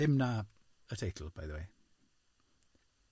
Dim na, y teitl, by the way.